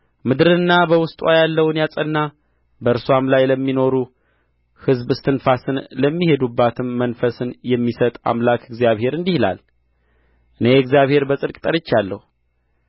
ምድርንና በውስጥዋ ያለውን ያጸና በእርስዋ ላይ ለሚኖሩ ሕዝብ እስትንፋስን ለሚሄዱባትም መንፈስን የሚሰጥ አምላክ እግዚአብሔር እንዲህ ይላል እኔ እግዚአብሔር በጽድቅ ጠርቼሃለሁ